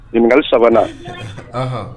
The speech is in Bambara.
Ɲininkali 3 nan